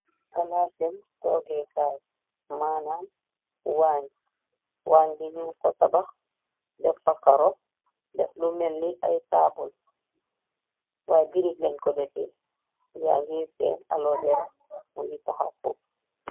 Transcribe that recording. Palaas cim togèkaay, manam, wënn. Wënn bi nung ko tabah, def fa Karo, def lu mèlni ay taabul why brick leen ko deffè. Ay ngè senn alovera mungi tahaw fofu.